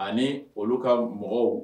Ani olu ka mɔgɔw